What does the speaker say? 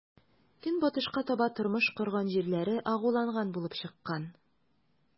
Көнбатышка таба тормыш корган җирләре агуланган булып чыккан.